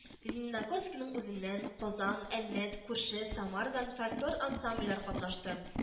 Лениногорскийның үзеннән, Казан, Әлмәт, күрше Самарадан фольклор ансамбльләр катнашты